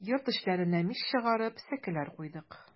Йорт эчләренә мич чыгарып, сәкеләр куйдык.